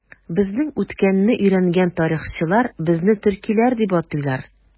Безнең үткәнне өйрәнгән тарихчылар безне төркиләр дип атыйлар.